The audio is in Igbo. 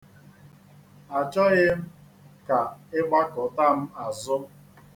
Achọghị m ka ị gbakụta m azụ.